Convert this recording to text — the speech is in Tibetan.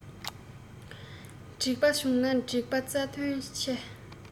འགྲིག པ བྱུང ན འགྲིགས པ གཙོ དོན ཆེ